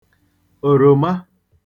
òròma